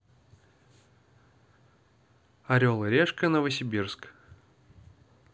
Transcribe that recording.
орел и решка новосибирск